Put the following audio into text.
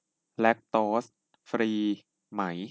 แลคโตสฟรีไหม